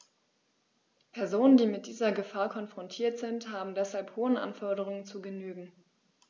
Personen, die mit dieser Gefahr konfrontiert sind, haben deshalb hohen Anforderungen zu genügen.